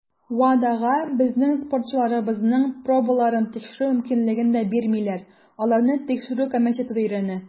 WADAга безнең спортчыларыбызның пробаларын тикшерү мөмкинлеген дә бирмиләр - аларны Тикшерү комитеты өйрәнә.